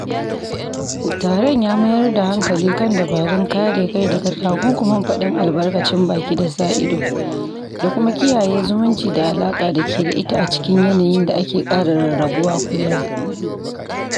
Taron ya mayar da hankali kan dabarun kare kai daga takunkumin faɗar albarkacin baki da sa-ido, da kuma kiyaye zumunci da alaƙar da ake da ita a cikin yanayi da ke kara rarrabuwa kullum.